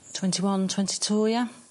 twenty one twenty two ia?